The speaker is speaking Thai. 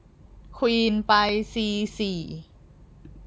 ควีนไปซีสี่